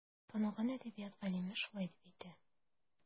Танылган әдәбият галиме шулай дип әйтә.